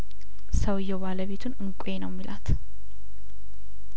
ሰውዬው ባለቤቱን እንቋ ነው የሚላት